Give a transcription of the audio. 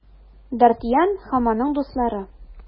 Д’Артаньян һәм аның дуслары.